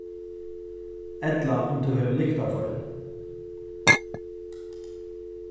ella um tú hevur lyktafeil